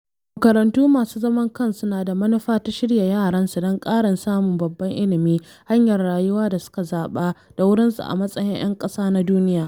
Makarantu masu zaman kansun na da manufa ta shirya yaransu don karin samun babban ilmi, hanyar rayuwa da suka zaɓa da wurinsu a matsayin ‘yan ƙasa na duniya.